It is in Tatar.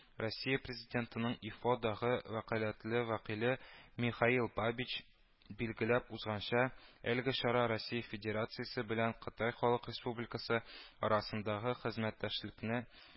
Россия Президентының ИФО дагы вәкаләтле вәкиле Михаил Бабич билгеләп узганча, әлеге чара - Россия Федерациясе белән Кытай Халык Республикасы арасындагы хезмәттәшлекне